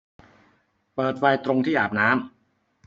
เปิดไฟตรงที่อาบน้ำ